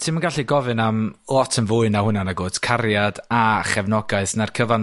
Ti'm yn gallu gofyn am lot yn fwy na hwnna nagwt, cariad a chefnogaeth 'na'r cyfan